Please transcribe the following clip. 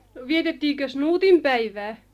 vietettiinkös Nuutin päivää